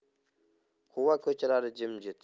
quva ko'chalari jimjit